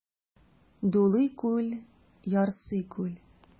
Дулый күл, ярсый күл.